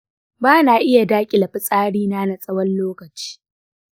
ba na iya daƙile fitsarina na tsawon lokaci.